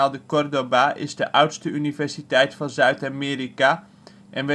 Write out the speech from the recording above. de Córdoba is de oudste universiteit van Zuid-Amerika en